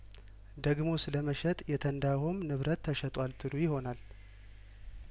ደግሞ ስለመሸጥ የተንዳሆም ንብረት ተሸጧል ትሉ ይሆናል